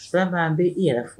ça va , bɛ i yɛrɛ fo